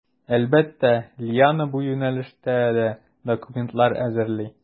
Әлбәттә, Лиана бу юнәлештә дә документлар әзерли.